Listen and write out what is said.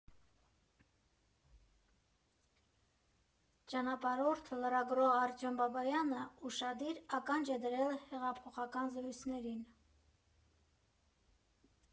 Ճանապարհորդ, լրագրող Արտյոմ Բաբայանը ուշադիր ականջ է դրել հեղափոխական զրույցներին։